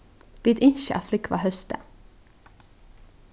vit ynskja at flúgva hósdag